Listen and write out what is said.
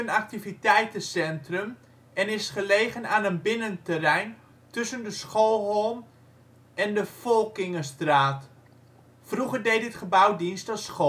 activiteitencentrum en is gelegen aan een binnenterrein tussen de Schoolholm en de Folkingestraat. Vroeger deed dit gebouw dienst als